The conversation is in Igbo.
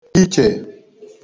ichè